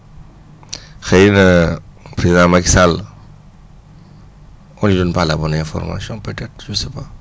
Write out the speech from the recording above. xëy na président acky Sall on lui donne pas la bonne information peut être je ne sais pas